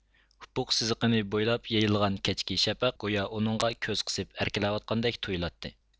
ئۇپۇق سىزىقىنى بويلاپ يېيىلغان كەچكى شەپەق گويا ئۇنىڭغا كۆز قىسىپ ئەركىلەۋاتقاندەك تۇيۇلاتتى